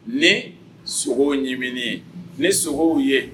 Ni sogow yeini ni ye, ni sogow ye.